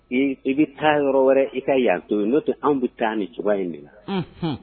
I bɛ taa yɔrɔ wɛrɛ i ka yan to n'o tun anw bɛ taa ni cogoya in minɛ na